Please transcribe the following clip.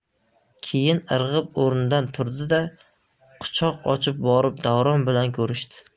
keyin irg'ib o'rnidan turdi da quchoq ochib borib davron bilan ko'rishdi